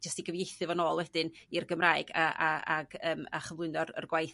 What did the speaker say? jyst i gyfieithu fo'n ôl wedyn i'r Gymraeg a a ag yym a chyflwyno'r yr gwaith